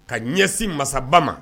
Ka ɲɛsin masaba ma